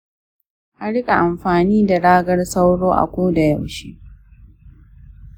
a rika amfani da ragar sauro a koda yaushe